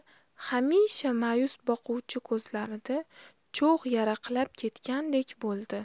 hamisha mayus boquvchi ko'zlarida cho'g' yaraqlab ketgandek bo'ldi